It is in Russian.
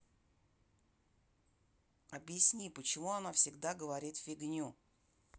объясни почему она всегда говорит фигню